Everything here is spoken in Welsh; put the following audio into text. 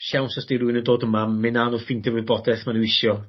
siawns os 'di rywun yn dod yma mi 'na n'w ffindio wybodeth ma' n'w isio.